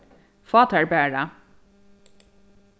fá tær bara